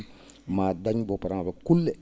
ma dañ bo para* kulle